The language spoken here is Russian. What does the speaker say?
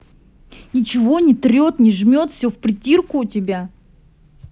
ничего не трет не жмет все в притирку у тебя